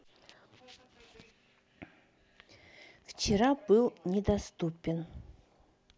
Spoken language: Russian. вчера был недоступен